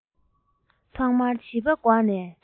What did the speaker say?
ཐོག མར བྱིས པ གོག ནས